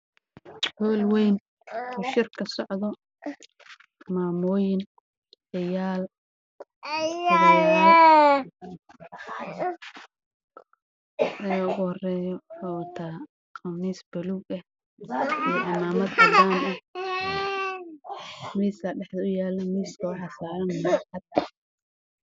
Meeshaan waa hool weyn oo shir ka socdo